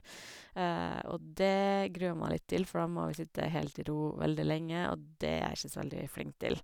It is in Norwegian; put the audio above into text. Og det gruer jeg meg litt til, for da må vi sitte helt i ro veldig lenge, og det er jeg ikke så veldig flink til.